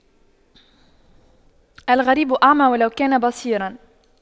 الغريب أعمى ولو كان بصيراً